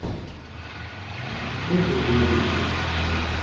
отдых в ольгинке